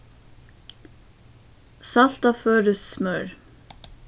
saltað føroyskt smør